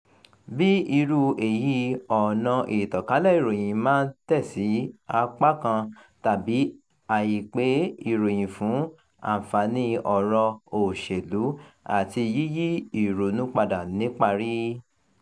Bí irú èyí, ọ̀nà ìtànkálẹ̀ ìròyìn máa ń tẹ̀sí apá kan tàbí àìpé ìròyìn fún àǹfààní ọ̀rọ̀ òṣèlú àti yíyí ìrònú padà níparí.